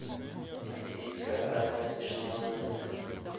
российская армия смешные моменты